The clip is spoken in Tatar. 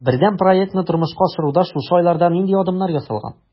Бердәм проектны тормышка ашыруда шушы айларда нинди адымнар ясалган?